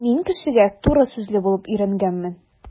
Мин кешегә туры сүзле булып өйрәнгәнмен.